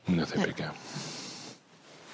Mwy na thebyg ia.